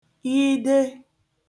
-ghide